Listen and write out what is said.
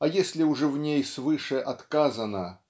а если уже в ней свыше отказано